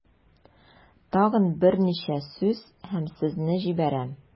Тагын берничә сүз һәм сезне җибәрәм.